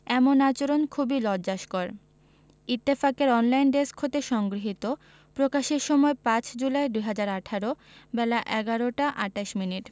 এমন আচরণ খুবই লজ্জাস্কর ইত্তফাকের অনলাইন ডেস্ক হতে সংগৃহীত প্রকাশের সময় ৫ জুলাই ২০১৮ বেলা১১টা ২৮ মিনিট